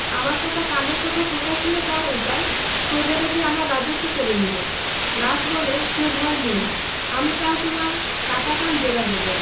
আমার কাটা কানের কথা প্রকাশ হল তার উপায় প্রজারা যে আমার রাজত্ব কেড়ে নেবে গাছ বলে সে ভয় নেই আমি কাল তোমার কাটা কান জোড়া দেব